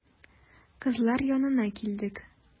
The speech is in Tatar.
Кызлар янына килдек.